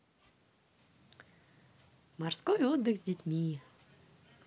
морской отдых с детьми